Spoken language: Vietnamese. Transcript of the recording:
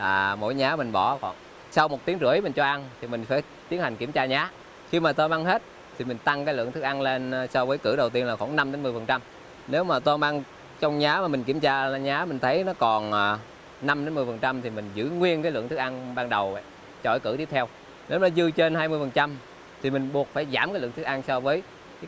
và mỗi nhá mình bỏ hoặc sau một tiếng rưỡi mình cho ăn thì mình phải tiến hành kiểm tra nhá khi mà tôm ăn hết thì mình tăng cái lượng thức ăn lên so với cử đầu tiên là khoảng năm đến mười phần trăm nếu mà tôm ăn trong nhá mà mình kiểm tra nhá mình thấy nó còn à năm đến mười phần trăm thì mình giữ nguyên cái lượng thức ăn ban đầu cho cái cử tiếp theo nếu là dư trên hai mươi phần trăm thì mình buộc phải giảm cái lượng thức ăn so với